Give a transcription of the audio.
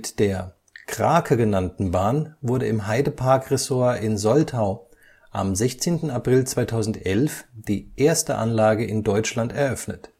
der Krake genannten Bahn wurde im Heide Park Resort in Soltau am 16. April 2011 die erste Anlage in Deutschland eröffnet